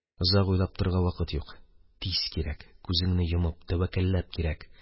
Озак уйлап торырга вакыт юк, тиз кирәк, күзеңне йомып кирәк.